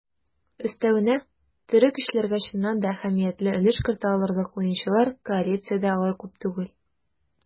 Өстәвенә, тере көчләргә чыннан да әһәмиятле өлеш кертә алырлык уенчылар коалициядә алай күп түгел.